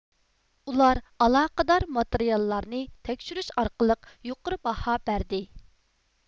ئۇلار ئالاقىدار ماتېرىياللارنى تەكشۈرۈش ئارقىلىق يۇقىرى باھا بەردى